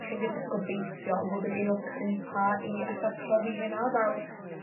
chi'n gydd- gobeithio am fod yn un o'r cynta i 'alla' profi hynna fal